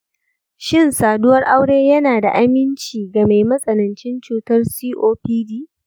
shin saduwar aure yana da aminci ga mai matsanancin cutar copd?